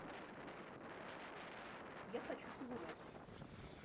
я хочу погулять